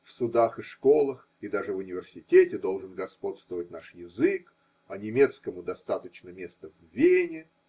в судах и школах и даже в университете должен господствовать наш язык, а немецкому достаточно места в Вене.